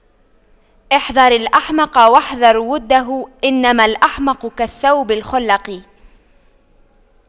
احذر الأحمق واحذر وُدَّهُ إنما الأحمق كالثوب الْخَلَق